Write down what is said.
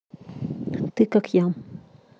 ты как я